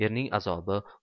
erning azobi